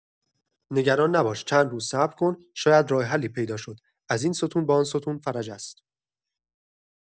نگران نباش، چند روز صبر کن، شاید راه حلی پیدا شد؛ از این ستون به آن ستون فرج است.